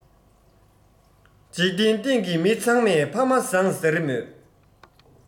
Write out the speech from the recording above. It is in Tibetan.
འཇིག རྟེན སྟེང གི མི ཚང མ ཕ མ བཟང ཟེར མོད